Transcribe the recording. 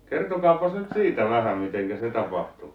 kertokaapas nyt siitä vähän miten se tapahtui